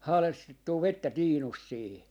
haalestettua vettä tiinusta siihen